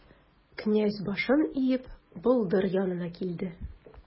Князь, башын иеп, болдыр янына килде.